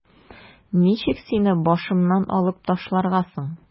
Ничек сине башымнан алып ташларга соң?